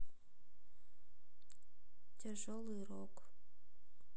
тяжелый рок